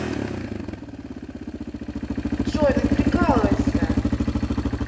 джой ну не прикалывайся